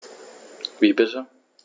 Wie bitte?